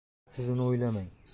siz uni o'ylamang